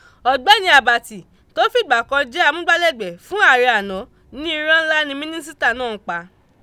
Ọgbẹni Àbàtì tó fìgbà kan jẹ́ amúgbálẹ́gbẹ̀ẹ́ fún ààrẹ àná ní irọ́ ńlá ni mínísìtà náà ń pa.